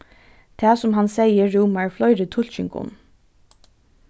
tað sum hann segði rúmar fleiri tulkingum